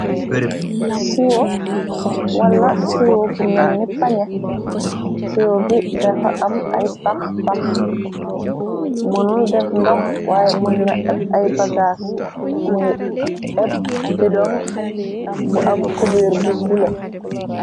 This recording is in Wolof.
Siwo wala siwo bu menni pañe siwo bi defa am ay pax-pax mënul def ndox waaye mën na epp ay bagaas mu ngi epp bidoŋ bu am kubeer bu bule.